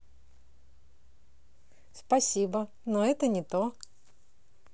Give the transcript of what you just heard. спасибо но это не то